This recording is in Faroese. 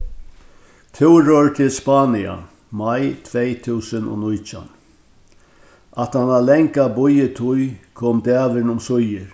túrur til spania mai tvey túsund og nítjan aftaná langa bíðitíð kom dagurin umsíðir